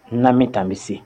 N na min tan bɛ se